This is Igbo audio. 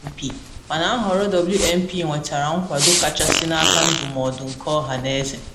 N’okwu nke aha nke ndị AM, Kọmịshọn ahụ dabedoro na Ndị Otu Nzụkọ Ọmeiwu Welsh ma ọ bụ WMP, mana nhọrọ MWP nwetara nkwado kachasị n’aka ndụmọdụ nke ọhaneze.